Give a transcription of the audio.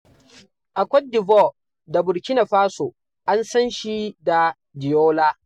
A Cote d'Ivoire da Burkina Faso an san shi da Dioula.